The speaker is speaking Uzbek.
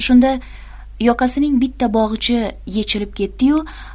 shunda yoqasining bitta bog'ichi yechilib ketdi yu